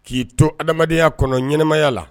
K'i to adamadamadenyaya kɔnɔ ɲɛnɛmaya la